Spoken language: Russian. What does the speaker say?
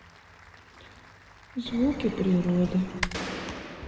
звуки природы